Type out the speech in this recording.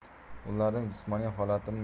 ularning jismoniy holatini